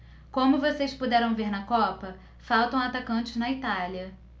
como vocês puderam ver na copa faltam atacantes na itália